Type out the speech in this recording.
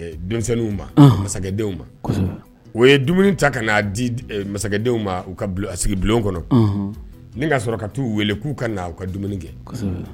Denmisɛnnin masakɛdenw u ye dumuni ta ka'a di masakɛdenw ma u sigi bulon kɔnɔ n ka sɔrɔ ka taa'u weele k'u ka u ka dumuni kɛ